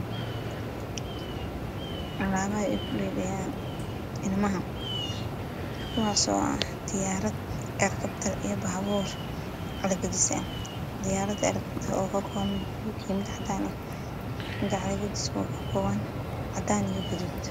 Alaabaha inamahan kuwaas oo ah diyaarad elakaftar iyo baabuur Kala gadisan diyaarada elakaftarka oo kakoobaban modab madaw iyo cadaan